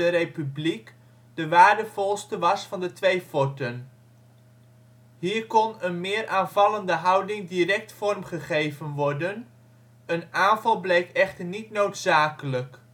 Republiek de waardevolste was van de twee forten. Hier kon een meer aanvallende houding direct vormgegeven worden, een aanval bleek echter niet noodzakelijk